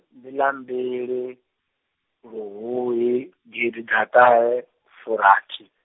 ndi ḽa mbili, luhuhi gidiḓaṱahefurathi.